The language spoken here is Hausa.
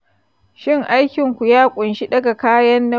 shi aikinku ya ƙunshi ɗaga kayan nauyi ko tsayuwa ta dogon lokaci?